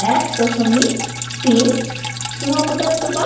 ১.১.৩ স্নেহ পদার্থ বা